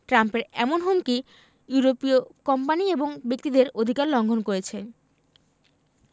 ট্রাম্পের এমন হুমকি ইউরোপীয় কোম্পানি এবং ব্যক্তিদের অধিকার লঙ্ঘন করেছে